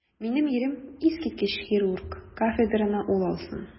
Минем ирем - искиткеч хирург, кафедраны ул алсын.